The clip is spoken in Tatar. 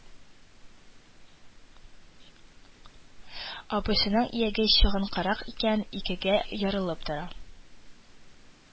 Абыйсының ияге чыгынкырак икән, икегә ярылып тора